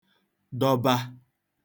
dọba